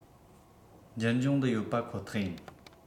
འགྱུར འབྱུང འདི ཡོད པ ཁོ ཐག ཡིན